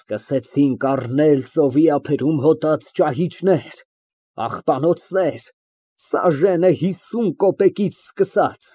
Սկսեցինք առնել ծովի ափերում հոտած ճահիճներ, աղբանոցներ, սաժենը հիսուն կոպեկից սկսած։